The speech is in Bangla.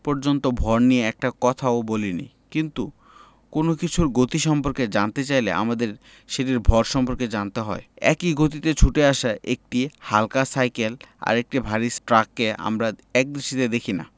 পর্যন্ত ভর নিয়ে একটি কথাও বলিনি কিন্তু কোনো কিছুর গতি সম্পর্কে জানতে চাইলে আমাদের সেটির ভর সম্পর্কে জানতে হয় একই গতিতে ছুটে আসা একটা হালকা সাইকেল আর একটা ভারী ট্রাককে আমরা একদৃষ্টিতে দেখি না